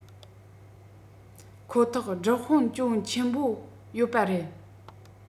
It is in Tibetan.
ཁོ ཐག སྒྲུབ དཔོན ཅུང ཆེན པོ ཡོད པ རེད